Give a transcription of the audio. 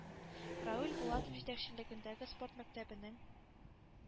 Равил Булатов җитәкчелегендәге спорт мәктәбенең